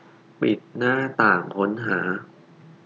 ปิดหน้าต่างค้นหา